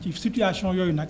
ci situation yooyu nag